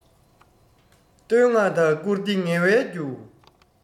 བསྟོད བསྔགས དང བཀུར བསྟི ངལ བའི རྒྱུ